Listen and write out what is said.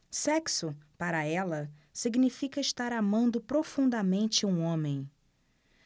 sexo para ela significa estar amando profundamente um homem